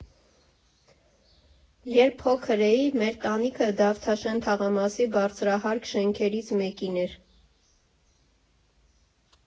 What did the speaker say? Երբ փոքր էի, մեր տանիքը Դավթաշեն թաղամասի բարձրահարկ շենքերից մեկին էր։